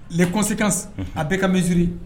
Le kosikas a bɛka ka misiri